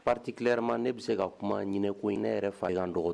Fatiti ma ne bɛ se ka kuma ɲini ko in ne yɛrɛ fa'an dɔgɔ